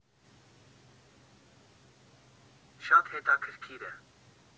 Շատ հետաքրքիր է։